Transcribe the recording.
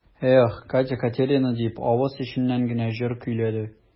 Эх, Катя-Катерина дип, авыз эченнән генә җыр көйләде.